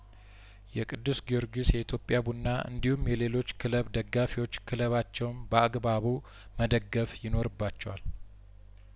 የቅዱስ ጊዮርጊስ የኢትዮጵያ ቡና እንዲሁም የሌሎቹ ክለብ ደጋፊዎች ክለባቸውን በአግባቡ መደገፍ ይኖርባቸዋል